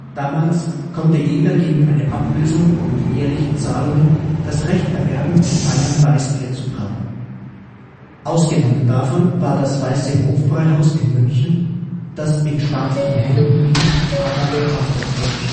Damals konnte jeder gegen eine Ablösung und jährliche Zahlungen das Recht erwerben, in Bayern Weißbier zu brauen. Ausgenommen davon war das Weiße Hofbräuhaus in München, das in staatlichen Händen blieb, aber verpachtet wurde